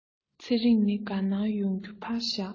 ཚེ རིང ནི དགའ སྣང ཡོང རྒྱུ ཕར བཞག